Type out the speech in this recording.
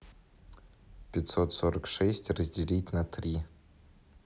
пятьсот сорок шесть разделить на три